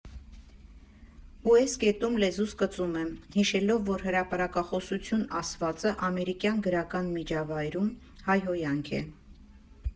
Ու էս կետում լեզուս կծում եմ՝ հիշելով, որ «հրապարակախոսություն» ասվածը ամերիկյան գրական միջավայրում հայհոյանք է։